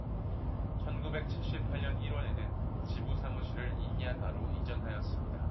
천 구백 칠십 팔 년 일 월에는 지부 사무실을 인야 가로 이전하였습니다